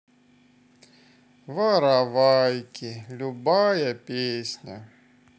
воровайки любая песня